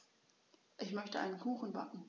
Ich möchte einen Kuchen backen.